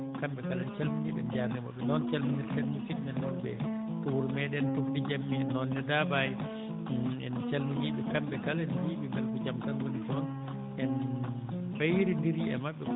kamɓe kala en calminii ɓe en jaarniima ɓe noon calminirten musidɓe men wonɓe to wuro meeɗen Tufde Jammi noon ne Dabayi en calminii ɓe kamɓe kala en mbiyii ɓe mbele ko jam tan woni toon en mbayronndirii e maɓɓe